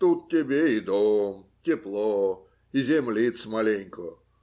Тут тебе и дом, тепло, и землицы маленько.